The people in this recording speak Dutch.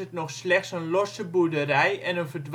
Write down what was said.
nog slechts een losse boerderij en een